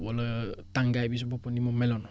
wala tàngaay bi si boppam ni mu meloon